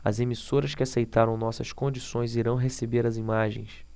as emissoras que aceitaram nossas condições irão receber as imagens